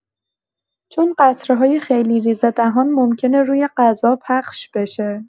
چون قطره‌های خیلی ریز دهان ممکنه روی غذا پخش بشه.